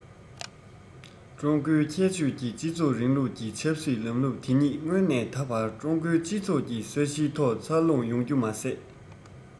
ཀྲུང གོའི ཁྱད ཆོས ཀྱི སྤྱི ཚོགས རིང ལུགས ཀྱི ཆབ སྲིད ལམ ལུགས དེ ཉིད སྔོན ནས ད བར ཀྲུང གོའི སྤྱི ཚོགས ཀྱི ས གཞིའི ཐོག འཚར ལོངས ཡོང རྒྱུ མ ཟད